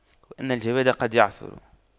إن الجواد قد يعثر